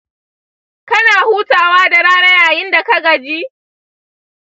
kana/kina hutawa da rana yayin da ka/kin gaji?